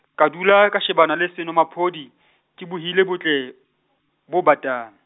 ka dula ka shebana le senomaphodi , ke bohile botle, bo batang.